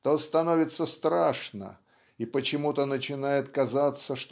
то становится страшно и почему-то начинает казаться